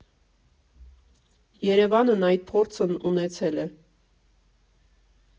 Երևանն այդ փորձն ունեցել է։